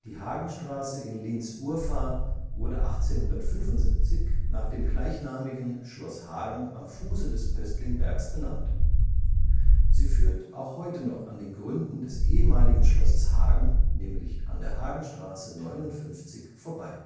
Hagenstraße in Linz/Urfahr wurde 1875 nach dem gleichnamigen Schloss Hagen am Fuße des Pöstlingbergs benannt. Sie führt auch heute noch an den Gründen des ehemaligen Schlosses Hagen (Hagenstraße 59) vorbei